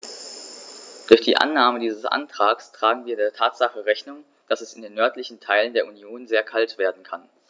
Durch die Annahme dieses Antrags tragen wir der Tatsache Rechnung, dass es in den nördlichen Teilen der Union sehr kalt werden kann.